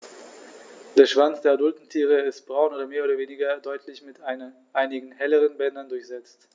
Der Schwanz der adulten Tiere ist braun und mehr oder weniger deutlich mit einigen helleren Bändern durchsetzt.